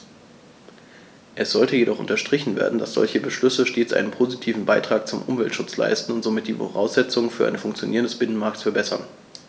Es sollte jedoch unterstrichen werden, dass solche Beschlüsse stets einen positiven Beitrag zum Umweltschutz leisten und somit die Voraussetzungen für ein Funktionieren des Binnenmarktes verbessern.